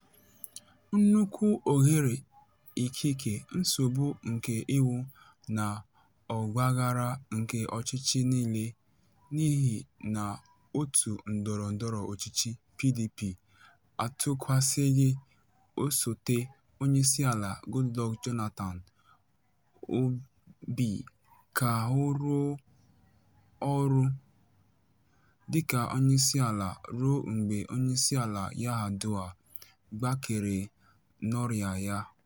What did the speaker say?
Nnukwu oghere ikike, nsogbu nke iwu, na ọgbaghara nke ọchịchị niile n'ihi na òtù ndọrọndọrọ ọchịchị (PDP) atụkwasịghị osote onyeisiala (Goodluck Jonathan) obi ka ọ rụọ ọrụ dịka onyeisiala ruo mgbe Onyeisiala Yar'Adua gbakere n'ọrịa ya.